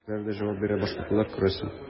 Безнекеләр дә җавап бирә башладылар, күрәсең.